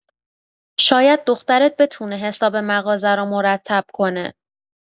شاید دخترت بتونه حساب مغازه رو مرتب کنه.